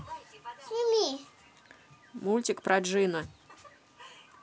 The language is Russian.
мультик про джина